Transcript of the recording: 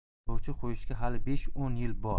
sovchi qo'yishga hali besh o'n yil bor